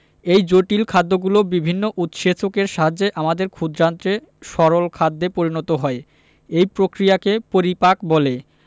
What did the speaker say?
এই জটিল খাদ্যগুলো বিভিন্ন উৎসেচকের সাহায্যে আমাদের ক্ষুদ্রান্তে সরল খাদ্যে পরিণত হয় এই প্রক্রিয়াকে পরিপাক বলে